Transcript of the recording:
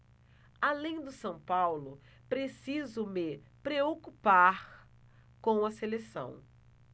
além do são paulo preciso me preocupar com a seleção